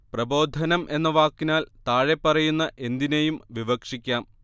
പ്രബോധനം എന്ന വാക്കിനാൽ താഴെപ്പറയുന്ന എന്തിനേയും വിവക്ഷിക്കാം